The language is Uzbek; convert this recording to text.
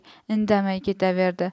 indamay ketaverdi